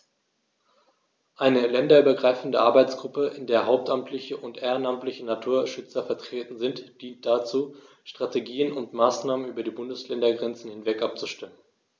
Eine länderübergreifende Arbeitsgruppe, in der hauptamtliche und ehrenamtliche Naturschützer vertreten sind, dient dazu, Strategien und Maßnahmen über die Bundesländergrenzen hinweg abzustimmen.